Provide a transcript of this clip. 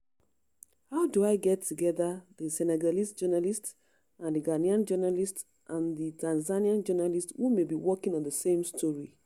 “How do I get together the Senegalese journalist, and the Ghanaian journalist and the Tanzanian journalist who may be working on the same story?